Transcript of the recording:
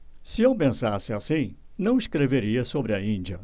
se eu pensasse assim não escreveria sobre a índia